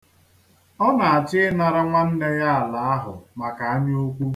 Ọ na-achọ ịnara nwanne ya ala ahụ maka anyaukwu.